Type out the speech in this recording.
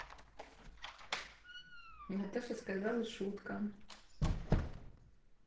наташа сказала шутка